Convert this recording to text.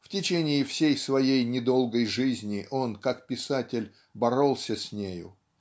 В течение всей своей недолгой жизни он, как писатель, боролся с нею